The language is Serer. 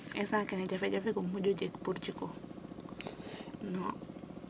instant kene jafe-jafe kum moƴo jeg pour jiku no ?